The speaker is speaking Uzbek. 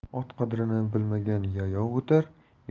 ot qadrini bilmagan yayov